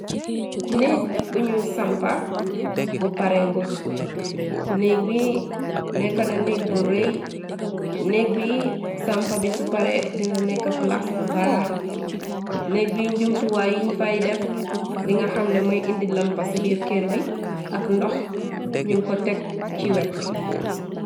Nekk buñu sampa bu pare ngut nékk bi nekana nekk bu rëy nekk bi sampa bisu pare dina nekka plas bu baax nekk bi njumtuwaayiñ fay def li nga xamne moy indi lampa ci biir ker bi ak ndox ñu ko tekk ci weppi.